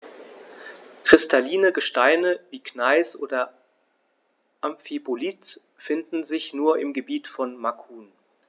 Kristalline Gesteine wie Gneis oder Amphibolit finden sich nur im Gebiet von Macun.